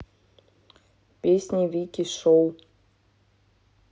песни вики шоу